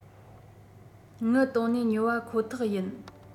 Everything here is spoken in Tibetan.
དངུལ བཏོན ནས ཉོ བ ཁོ ཐག ཡིན